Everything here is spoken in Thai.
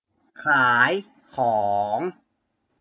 ขายของ